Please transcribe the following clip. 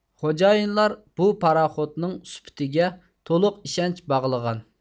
خوجايىنلار بۇ پاراخوتنىڭ سۈپىتىگە تولۇق ئىشەنچ باغلىغان